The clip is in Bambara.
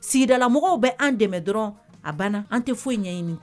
Sigidala mɔgɔw bɛ an dɛmɛ dɔrɔn a banna an tɛ foyi ɲɛɲini to